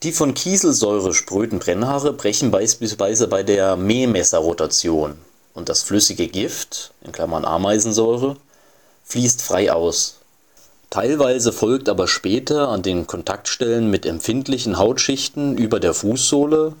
von Kieselsäure spröden Brennhaare brechen beispielsweise bei der Mähmesser-Rotation, und das flüssige Gift (Ameisensäure) fließt frei aus. Teilweise folgt aber später an den Kontaktstellen mit empfindlichen Hautschichten über der Fußsohle